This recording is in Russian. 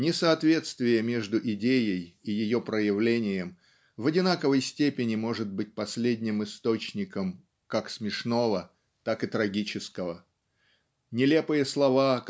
Несоответствие между идеей и ее проявлением в одинаковой степени может быть последним источником как смешного так и трагического. Нелепые слова